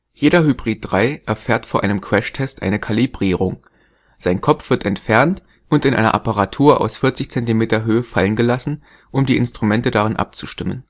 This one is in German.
Jeder Hybrid III erfährt vor einem Crashtest eine Kalibrierung. Sein Kopf wird entfernt und in einer Apparatur aus 40 cm Höhe fallen gelassen, um die Instrumente darin abzustimmen